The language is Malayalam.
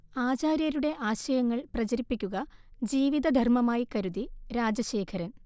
ആചാര്യരുടെ ആശയങ്ങൾ പ്രചരിപ്പിക്കുക ജീവിതധർമമായി കരുതി രാജശേഖരൻ